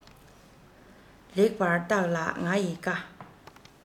ལེགས པར བརྟག ལ ང ཡི བཀའ